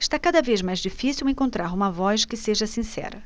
está cada vez mais difícil encontrar uma voz que seja sincera